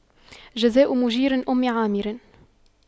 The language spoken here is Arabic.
جزاء مُجيرِ أُمِّ عامِرٍ